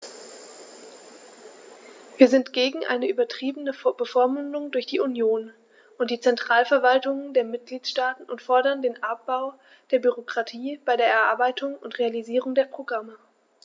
Wir sind gegen eine übertriebene Bevormundung durch die Union und die Zentralverwaltungen der Mitgliedstaaten und fordern den Abbau der Bürokratie bei der Erarbeitung und Realisierung der Programme.